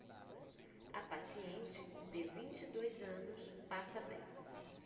a paciente de vinte e dois anos passa bem